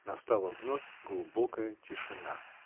Настала вновь глубокая тишина.